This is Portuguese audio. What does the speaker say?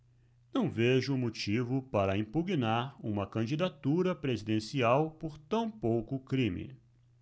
não vejo motivo para impugnar uma candidatura presidencial por tão pouco crime